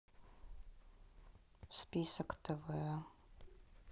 список тв